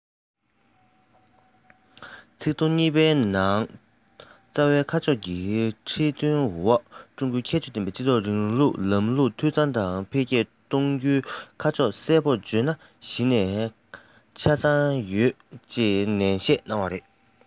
ཚིག དུམ གཉིས པའི ནང རྩ བའི ཁ ཕྱོགས ཀྱི ཁྲིད སྟོན འོག ཀྲུང གོའི ཁྱད ཆོས ཀྱི སྤྱི ཚོགས རིང ལུགས ལམ ལུགས འཐུས ཚང དང འཕེལ རྒྱས གཏོང རྒྱུའི ཁ ཕྱོགས གསལ པོ བརྗོད ན གཞི ནས ཆ ཚང ཡོད ཅེས ནན བཤད གནང བ རེད